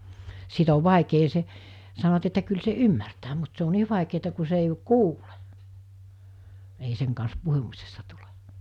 sitten on vaikea se sanovat että kyllä se ymmärtää mutta se on niin vaikeata kun se ei kuule ei sen kanssa puhumisesta tule